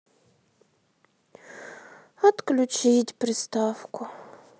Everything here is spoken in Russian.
отключить приставку